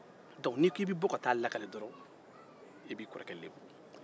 dɔnku n'i ko i bɛ bɔ ka taa a lakale dɔrɔn i b'i kɔrɔkɛ lebu